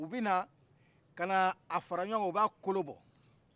u bɛ na kan'a fara ɲɔgɔnka u ba kolobɔ